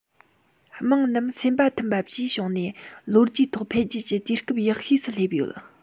དམངས རྣམས སེམས པ མཐུན པ བཅས བྱུང ནས ལོ རྒྱུས ཐོག འཕེལ རྒྱས ཀྱི དུས སྐབས ཡག ཤོས སུ སླེབས ཡོད